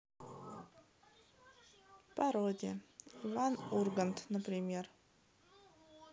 пародия иван ургант например